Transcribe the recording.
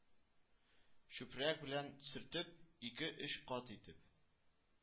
Чүпрәк белән сөртеп, ике-өч кат итеп